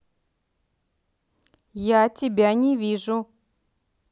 я тебя не вижу